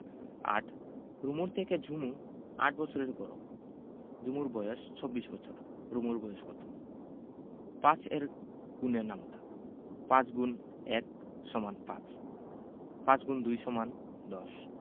৮ রুমুর থেকে ঝুমু ৮ বছরের বড় ঝুমুর বয়স ২৪ বছর রুমুর বয়স কত ৫ এর গুণের নামতা ৫× ১ = ৫ ৫× ২ = ১০